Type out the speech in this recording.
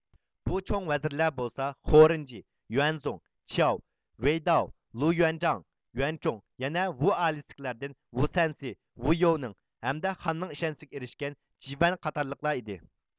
بۇ چوڭ ۋەزىرلەر بولسا خورېنجى يۇەنزۇڭ چياۋ ۋېيداۋ لو يۇەنجاڭ يۇەنچۇڭ يەنە ۋۇ ئائىلىسىدىكىلەردىن ۋۇ سەنسى ۋۇ يوۋنىڭ ھەمدە خاننىڭ ئىشەنچىسىگە ئېرىشكەن جى ۋەن قاتارلىقلار ئىدى